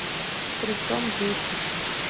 причем есть